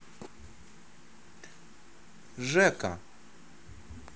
жека